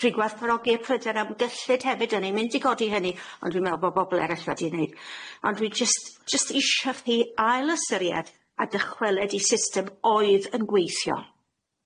dwi'n gwerthfawrogi y pryder am gyllid hefyd o'n i'n mynd i godi hynny, ond dwi'n me'wl bo' bobol erill wedi neud ond dwi jyst jyst isio chi ailystyried a dychwelyd i system oedd yn gweithio.